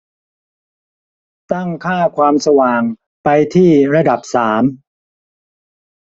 ตั้งค่าความสว่างไปที่ระดับสาม